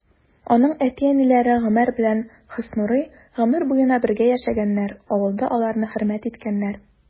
Аның әти-әниләре Гомәр белән Хөснурый гомер буена бергә яшәгәннәр, авылда аларны хөрмәт иткәннәр.